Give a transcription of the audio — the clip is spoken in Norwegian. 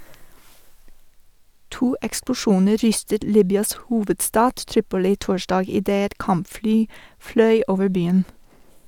To eksplosjoner rystet Libyas hovedstad Tripoli torsdag idet et kampfly fløy over byen.